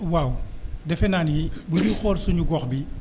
waaw defe naa ni bu ñuy xool suñu gox bii